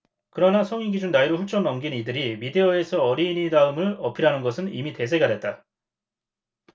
그러나 성인 기준 나이를 훌쩍 넘긴 이들이 미디어에서 어린이 다움을 어필하는 것은 이미 대세가 됐다